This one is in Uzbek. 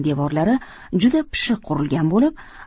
devorlari juda pishiq qurilgan bo'lib